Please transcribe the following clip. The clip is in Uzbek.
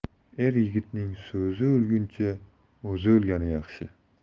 er yigitning so'zi o'lguncha o'zi o'lgani yaxshi